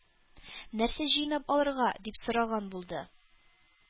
-нәрсә җыйнап алырга? - дип сораган булды.